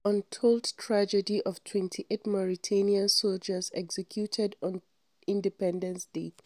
The untold tragedy of 28 Mauritanian soldiers executed on Independence Day